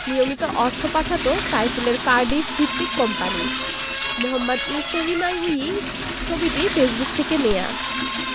নিয়মিত অর্থ পাঠাত সাইফুলের কার্ডিফভিত্তিক কোম্পানি মোহাম্মদ এলসহিনাউয়ির ছবিটি ফেসবুক থেকে নেওয়া